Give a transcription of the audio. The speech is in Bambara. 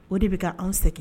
O de bɛ anw segin